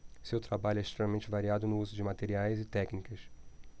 seu trabalho é extremamente variado no uso de materiais e técnicas